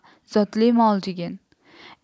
zotli mol degin